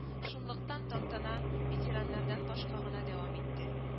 Шунлыктан тантана ветераннардан башка гына дәвам итте